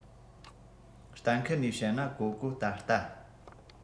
གཏན འཁེལ ནས བཤད ན ཀོའུ ཀོའུ ད ལྟ